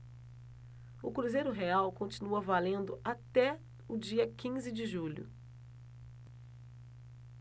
o cruzeiro real continua valendo até o dia quinze de julho